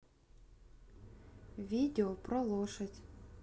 видео про лошадь